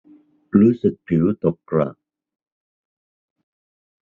รู้สึกผิวตกกระ